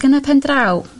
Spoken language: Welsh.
Ac yn y pen draw